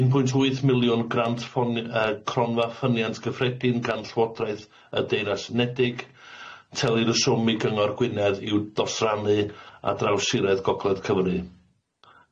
Un pwynt wyth miliwn grant ffoni- yy cronfa ffyniant gyffredin gan Llywodraeth y Deyrnas Unedig, telir y swm i Gyngor Gwynedd i'w dosrannu ar draws Siroedd Gogledd Cymru.